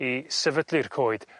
i sefydlu'r coed